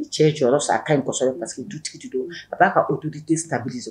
Ni cɛ jɔyɔrɔ sa a ka in kɔsɔ kasi dutigi don a b'a ka o dute sari sɔrɔ